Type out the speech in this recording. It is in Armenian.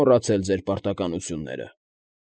Մոռացել ձեր պարտականությունները։